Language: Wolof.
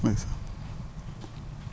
ndeysaan